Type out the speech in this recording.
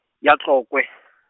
ya Tlokwe .